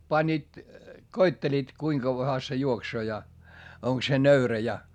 panivat koettelivat kuinka kauanhan se juoksee ja onko se nöyrä ja